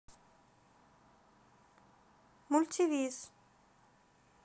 мультивиз